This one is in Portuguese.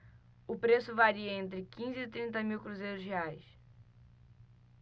o preço varia entre quinze e trinta mil cruzeiros reais